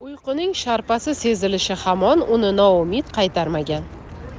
uyquning sharpasi sezilishi hamon uni noumid qaytarmagan